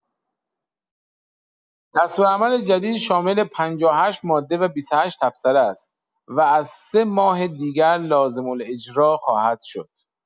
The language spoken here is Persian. دستورالعمل جدید شامل ۵۸ ماده و ۲۸ تبصره است و از سه ماه دیگر لازم‌الاجرا خواهد شد.